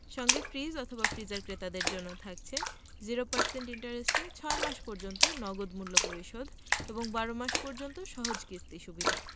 সঙ্গে ফ্রিজ/ফ্রিজার ক্রেতাদের জন্য থাকছে ০% ইন্টারেস্টে ৬ মাস পর্যন্ত নগদ মূল্য পরিশোধ এবং ১২ মাস পর্যন্ত সহজ কিস্তি সুবিধা